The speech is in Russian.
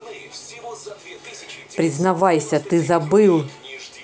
признавайся ты забыл